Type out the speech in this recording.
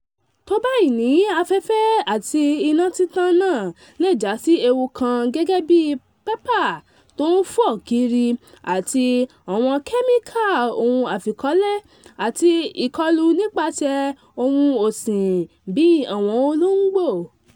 Tọ̀báìnì afẹ́fẹ́ àti iná títàn náà le jásí ewu kan, gẹ́gẹ́bí pépà tó ń fo kiri àti àwọn kẹ́míkà ohun àfikọ́lé, àti ìkọ̀lù nípaṣẹ́ ohun ọ̀sìn bíi àwọn olóńgbò.